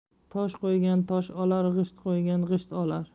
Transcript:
tosh qo'ygan tosh olar g'isht qo'ygan g'isht olar